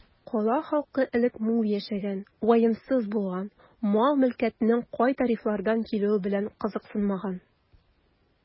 Кала халкы элек мул яшәгән, ваемсыз булган, мал-мөлкәтнең кай тарафлардан килүе белән кызыксынмаган.